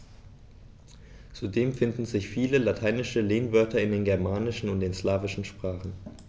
Zudem finden sich viele lateinische Lehnwörter in den germanischen und den slawischen Sprachen.